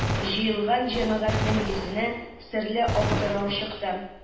Җыелган җәмәгатьнең йөзенә серле аптырау чыкты.